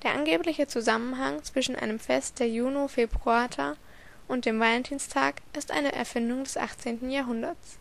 angebliche Zusammenhang zwischen einem Fest der " Juno Februata " und dem Valentinstag ist eine Erfindung des 18. Jahrhunderts